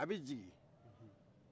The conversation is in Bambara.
a bɛ jigi